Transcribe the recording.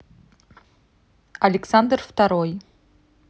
александр второй